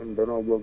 naka yitte yi